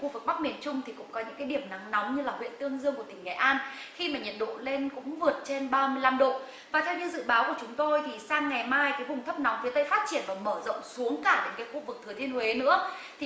khu vực bắc miền trung thì cũng có những cái điểm nắng nóng như là huyện tương dương của tỉnh nghệ an khi mà nhiệt độ lên cũng vượt trên ba mươi lăm độ và theo như dự báo của chúng tôi thì sang ngày mai cái vùng thấp nóng phía tây phát triển và mở rộng xuống cả cái khu vực thừa thiên huế nữa